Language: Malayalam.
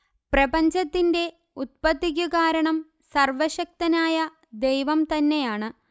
പ്രപഞ്ചത്തിന്റെ ഉത്പ്പത്തിക്കുകാരണം സർവശക്തനായ ദൈവം തന്നെയാണ്